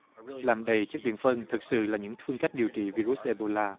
làm đầy chất điện phân thực sự là những phương cách điều trị vi rút ê bô la